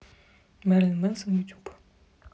мэрилин мэнсон ютуб